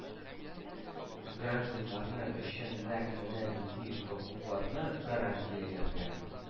Гражданнары өчен нәкъ менә нинди хокукларны гарантияләргә